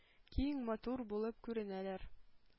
Киң, матур булып күренәләр.